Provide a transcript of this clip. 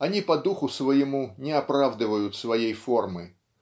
Они по духу своему не оправдывают своей формы